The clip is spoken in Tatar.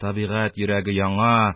Табигать йөрәге яңа,